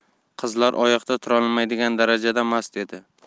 qizlar oyoqda turolmaydigan darajada mast edi